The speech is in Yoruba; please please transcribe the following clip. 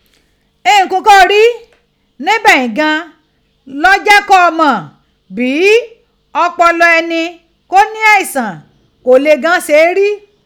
Ihun kó o ri nibe ghin gan an ló jẹ́ kó o mọ bí ọpọlọ ẹni kó ní àìsàn kó le gan an ṣe rí.